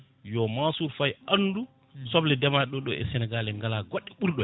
yo Mansour Faye andu soble ndemaɗe ɗo ɗe e Sénégal en gala goɗɗe